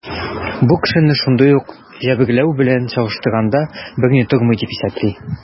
Бу кешене шундый ук җәберләү белән чагыштырганда берни тормый, дип исәпли.